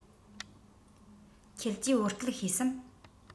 ཁྱེད ཀྱིས བོད སྐད ཤེས སམ